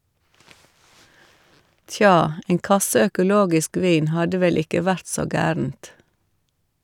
- Tja, en kasse økologisk vin hadde vel ikke vært så gærent.